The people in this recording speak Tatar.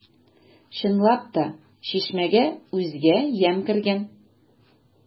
Чынлап та, чишмәгә үзгә ямь кергән.